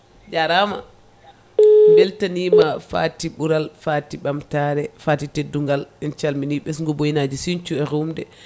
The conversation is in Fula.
jarama beltanima Faty ɓuural Faty ɓamtare Faty teddugal en calmini ɓesgu Boyinaji Sinthiou e rumde